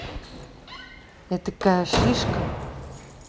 я такая шишка